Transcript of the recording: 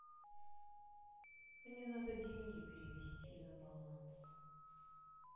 мне надо деньги перевести на баланс